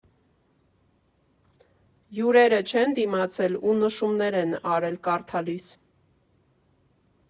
Հյուրերը չեն դիմացել ու նշումներ են արել կարդալիս։